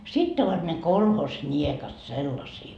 sitten ovat ne kolhosniekat sellaisia